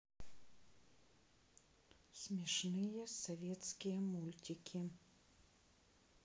смешные советские мультики